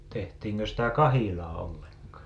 tehtiinkö sitä kahilaa ollenkaan